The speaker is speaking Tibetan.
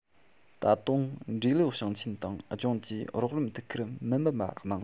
ད དུང འབྲེལ ཡོད ཞིང ཆེན དང ལྗོངས ཀྱིས རོགས རམ ཐུགས ཁུར མི དམན པ གནང